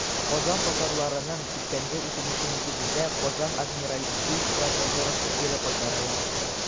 Казан татарларының күптәнге үтенече нигезендә, Казан адмиралтейство конторасы кире кайтарыла.